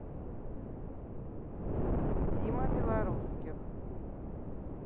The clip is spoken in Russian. тима белорусских